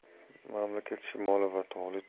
mamlakat shimoli va tog'li